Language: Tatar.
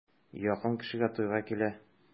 Якын кешегә туйга килә.